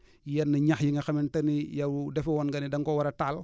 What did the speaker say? yenn ñax yi nga xamante ni yow defe woon nga ne da nga koo war a taal